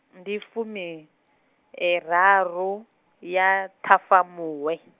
ndi fumi- raru ya Ṱhafamuhwe.